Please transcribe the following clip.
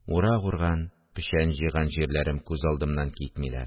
Урак урган, печән җыйган җирләрем күз алдымнан китмиләр